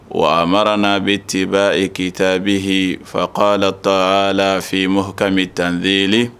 Wa a mararen na a bɛ tileba kiitabi h fakɔ taara la fɔ mori kami taneli